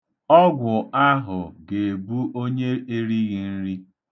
Ọgwụ ahụ ga-ebu onye erighi nri.